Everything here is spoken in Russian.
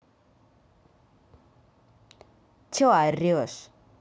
че орешь